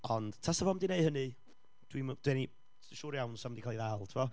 Ond, tasai fo ddim 'di wneud hynny, dwi'm, dan ni siŵr iawn 'sa fo 'di cael ei ddal tibod.